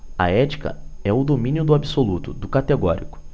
a ética é o domínio do absoluto do categórico